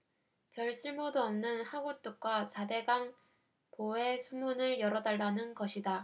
별 쓸모도 없는 하굿둑과 사 대강 보의 수문을 열어달라는 것이다